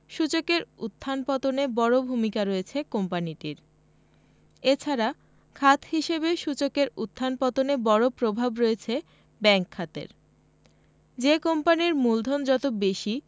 সূচকের উত্থান পতনে বড় ভূমিকা রয়েছে কোম্পানিটির এ ছাড়া খাত হিসেবে সূচকের উত্থান পতনে বড় প্রভাব রয়েছে ব্যাংক খাতের যে কোম্পানির মূলধন যত বেশি